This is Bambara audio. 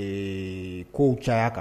Ee ko caya kan